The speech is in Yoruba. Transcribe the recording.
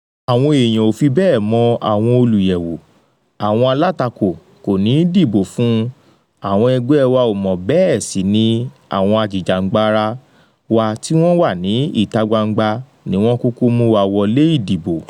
Àwọn èèyàn ò fi bẹ́ẹ̀ mọ àwọn olùyẹ̀wò, àwọn alátakò kò ní dìbò fún un, àwọn ẹgbẹ́ wà ò mọ́ bẹ́ẹ̀ sì ni àwọn ajìjàgbara wa tí wọ́n wà ní ìta gbangba ní wọ́n kúkú mú wa wọlé ìdìbò.